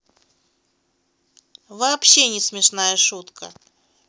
вообще не смешная шутка